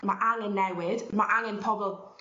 Ma' angen newid ma' angen pobol